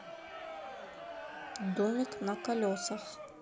домик на колесах